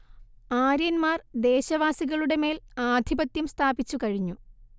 ആര്യന്മാർ ദേശവാസികളുടെമേൽ ആധിപത്യം സ്ഥാപിച്ചു കഴിഞ്ഞു